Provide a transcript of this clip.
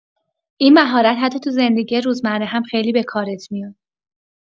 این مهارت حتی تو زندگی روزمره هم خیلی به کارت میاد.